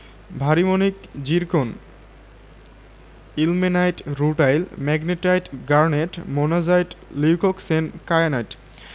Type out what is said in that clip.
ভারি মণিক zircon ilmenite rutile magnetite garnet monazite leucoxene kyanite